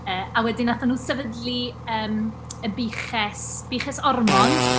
Yy a wedyn wnaethon nhw sefydlu yym y buches buches Ormond.